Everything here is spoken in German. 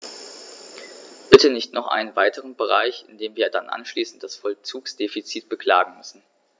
Bitte nicht noch einen weiteren Bereich, in dem wir dann anschließend das Vollzugsdefizit beklagen müssen.